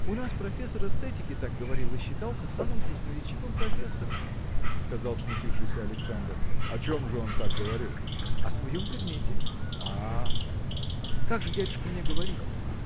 – У нас профессор эстетики так говорил и считался самым красноречивым профессором – сказал смутившийся Александр. – О чем же он так говорил? – О своем предмете. – А! – Как же, дядюшка, мне говорить?